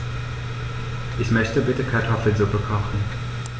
Ich möchte bitte Kartoffelsuppe kochen.